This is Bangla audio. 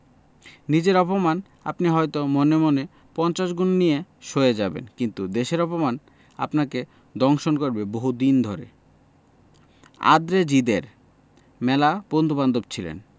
নিজের অপমান আপনি হয়ত মনে মনে পঞ্চাশ গুণে নিয়ে সয়ে যাবেন কিন্তু দেশের অপমান আপনাকে দংশন করবে বহুদিন ধরে আঁদ্রে জিদের মেলা বন্ধুবান্ধব ছিলেন